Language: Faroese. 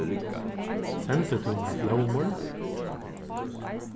sendi tú mær blómur